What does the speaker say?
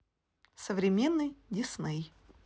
современный дисней